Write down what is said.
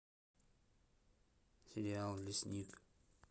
сериал лесник